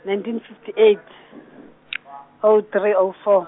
nineteen fifty eight, oh three, oh four.